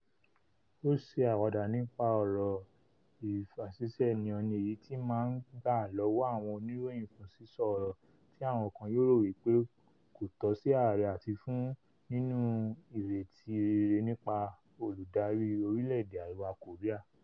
Ó ṣe àwàdà nípa ọ̀rọ̀ ìfàṣìṣe-ẹnihànni èyití ma ǹ gbà l’ọwọ́ àwọn oníròyìn fún sísọ ọ̀rọ̀ tí àwọn kan yóò rò wípé ''Kò tọ si ààrẹ̀'' àti fún níní írètí rere nipa olὺdarí orílẹ̀-èdè Ariwa Kòríà.